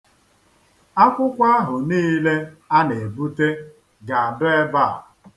Akwụkwọ ahụ niile a na-ebute ga-adọ ebe a.